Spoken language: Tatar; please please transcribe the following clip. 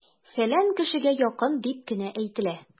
"фәлән кешегә якын" дип кенә әйтелә!